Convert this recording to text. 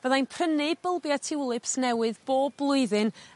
Fyddai'n prynu bulbia tulips newydd bob blwyddyn